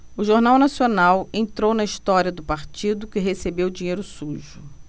o jornal nacional entrou na história do partido que recebeu dinheiro sujo